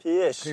Pys?